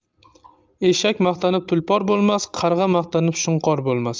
eshak maqtanib tulpor bo'lmas qarg'a maqtanib shunqor bo'lmas